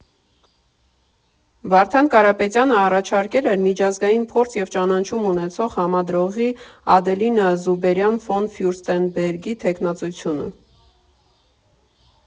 Վարդան Կարապետյանը առաջարկել էր միջազգային փորձ և ճանաչում ունեցող համադրողի՝ Ադելինա Ջուբերյան ֆոն Ֆյուրստենբերգի թեկնածությունը։